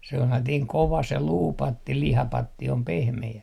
sellainen kova se luupatti lihapatti on pehmeä